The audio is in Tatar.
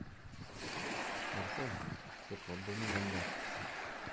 Нәрсә, йоклап булмыймы әллә?